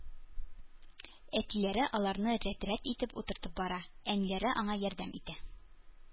Әтиләре аларны рәт-рәт итеп утыртып бара, әниләре аңа ярдәм итә